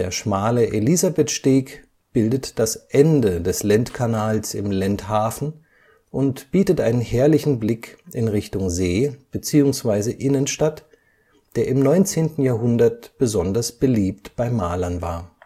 schmale Elisabeth Steg bildet das Ende des Lendkanals im Lendhafen und bietet einen herrlichen Blick in Richtung See beziehungsweise Innenstadt, der im 19. Jahrhundert besonders beliebt bei Malern war